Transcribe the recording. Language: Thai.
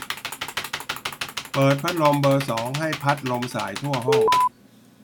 เปิดพัดลมเบอร์สองให้พัดลมส่ายทั่วห้อง